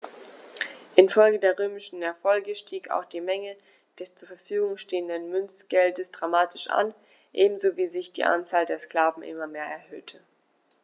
Infolge der römischen Erfolge stieg auch die Menge des zur Verfügung stehenden Münzgeldes dramatisch an, ebenso wie sich die Anzahl der Sklaven immer mehr erhöhte.